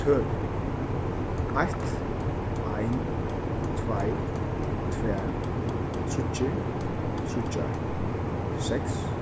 tøl eitt ein tveir tvær tríggir tríggjar seks